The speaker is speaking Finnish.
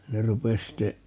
ne rupesi sitten